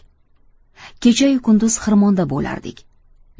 kechayu kunduz xirmonda bo'lardik